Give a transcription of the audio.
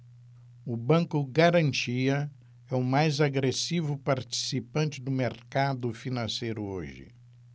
o banco garantia é o mais agressivo participante do mercado financeiro hoje